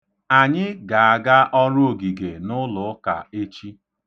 Anyị ga-aga ọrụ ogige n'ụlụụka echi.